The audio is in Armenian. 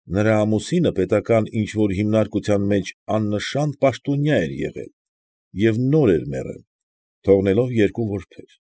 Նրա ամուսինը պետական ինչ֊որ հիմնարկության մեջ աննշան պաշտոնյա էր եղել և նոր էր մեռել, թողնելով երկու որբեր։